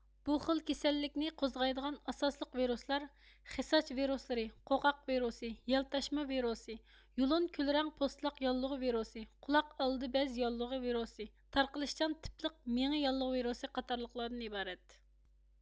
بۇ خىل كېسەللىكنى قوزغايدىغان ئاساسلىق ۋىرۇسلار خېساچ ۋىرۇسلىرى قوقاق ۋىرۇسى يەلتاشما ۋىرۇسى يۇلۇن كۈل رەڭ پوستلاق ياللۇغى ۋىرۇسى قۇلاق ئالدى بەز ياللۇغى ۋىرۇسى تارقىلىشچان تىپلىق مېڭە ياللۇغى ۋىرۇسى قاتارلىقلاردىن ئىبارەت